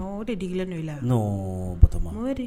O de degela n'o i la bato